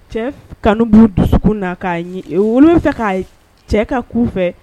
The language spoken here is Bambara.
Cɛ kanu b'u dusukun na, ka ɲi, olu bɛ fɛ cɛ ka k'u fɛ